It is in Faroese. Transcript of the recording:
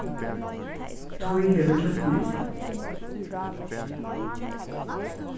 tíð hevur týdning